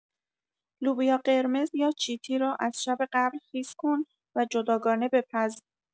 لوبیا قرمز یا چیتی را از شب قبل خیس کن و جداگانه بپز.